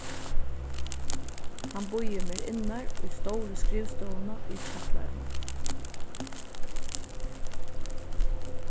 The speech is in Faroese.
hann býður mær innar í stóru skrivstovuna í kjallaranum